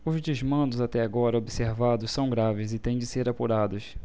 os desmandos até agora observados são graves e têm de ser apurados